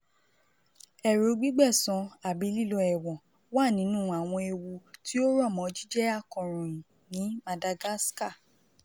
Ẹ̀rù gbígbẹ̀san àbí lílọ ẹ̀wọ̀n wà nínú àwọn ewu tí ó rọ̀ mọ́ jíjẹ́ akọ̀ròyìn ní Madagascar.